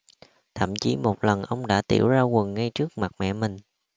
thậm chí một lần ông đã tiểu ra quần ngay trước mặt mẹ mình